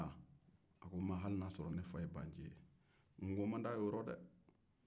a ko hali n'a y'a sɔrɔ ne fa ye baa nci ye n ko man di a ye